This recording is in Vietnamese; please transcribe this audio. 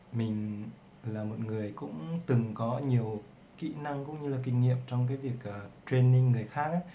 mình từng có kinh nghiệm kỹ năng training người khác